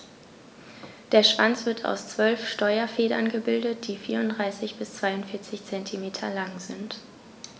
Der Schwanz wird aus 12 Steuerfedern gebildet, die 34 bis 42 cm lang sind.